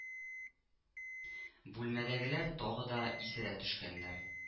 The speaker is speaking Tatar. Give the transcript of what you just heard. Бүлмәдәгеләр тагы да исерә төшкәннәр